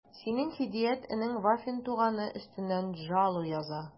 Синең Һидият энең Вафин туганы өстеннән жалу яза...